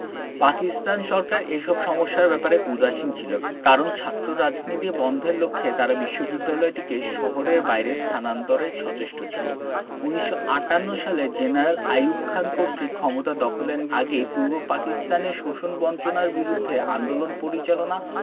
পাকিস্তান সরকার এসব সমস্যার ব্যাপারে উদাসীন ছিল কারণ ছাত্ররাজনীতি বন্ধের লক্ষ্যে তারা বিশ্ববিদ্যালয়টিকে শহরের বাইরে স্থানান্তরে সচেষ্ট ছিল ১৯৫৮ সালে জেনারেল আইয়ুব খান কর্তৃক ক্ষমতা দখলের আগেই পূর্ব পাকিস্তানে শোষণ বঞ্চনার বিরুদ্ধে আন্দোলন পরিচালনা